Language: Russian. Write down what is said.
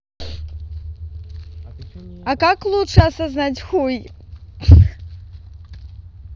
а как лучше осознать хуй